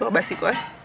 Soo ɓasi koy ?